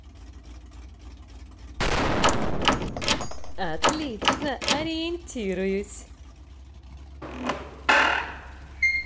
отлично ориентируюсь